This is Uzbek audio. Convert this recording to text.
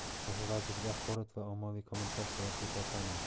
mudofaa vazirligi axborot va ommaviy kommunikatsiyalar departamenti